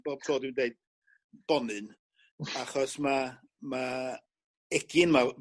bob tro dwi'n deud bonyn achos ma' ma' egin ma'...